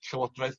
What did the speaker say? llywodraeth